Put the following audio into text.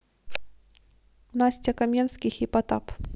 настя каменских и потап